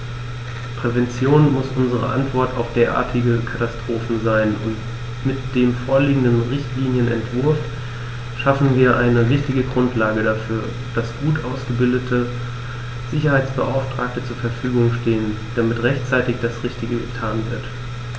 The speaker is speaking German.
Prävention muss unsere Antwort auf derartige Katastrophen sein, und mit dem vorliegenden Richtlinienentwurf schaffen wir eine wichtige Grundlage dafür, dass gut ausgebildete Sicherheitsbeauftragte zur Verfügung stehen, damit rechtzeitig das Richtige getan wird.